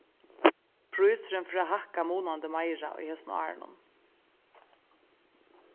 prísurin fer at hækka munandi meira í hesum árinum